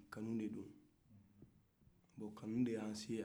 kanun de do bon kanun de y'a se han